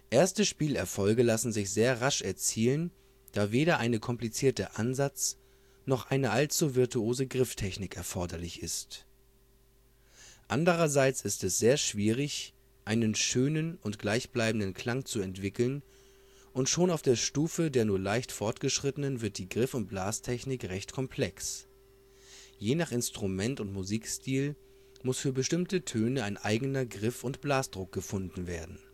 Erste Spielerfolge lassen sich sehr rasch erzielen, da weder eine komplizierte Ansatz - noch eine allzu virtuose Grifftechnik erforderlich ist. Andererseits ist es sehr schwierig, einen schönen und gleichbleibenden Klang zu entwickeln, und schon auf der Stufe der nur leicht Fortgeschrittenen wird die Griff - und Blastechnik recht komplex: Je nach Instrument und Musikstil muss für bestimmte Töne ein eigener Griff (und Blasdruck) gefunden werden